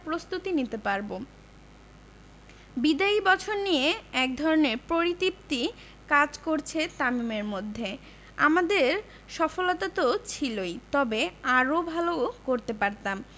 প্রস্তুতি নিতে পারব বিদায়ী বছর নিয়ে একধরনের পরিতৃপ্তি কাজ করছে তামিমের মধ্যে আমাদের সফলতা তো ছিলই তবে আরও ভালো করতে পারতাম